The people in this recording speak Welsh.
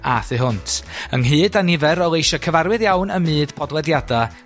a thu hwnt, ynghyd â nifer o leisia' cyfarwydd iawn ym myd podlediada